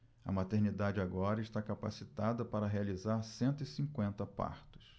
a maternidade agora está capacitada para realizar cento e cinquenta partos